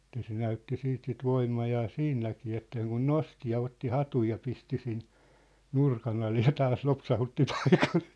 että se näytti sitten sitä voimaa siinäkin että sen kuin nosti ja otti hatun ja pisti sinne nurkan alle ja taas lopsautti takaisin